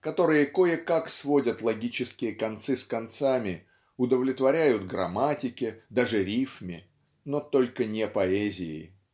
которые кое-как сводят логические концы с концами удовлетворяют грамматике даже рифме но только не поэзии.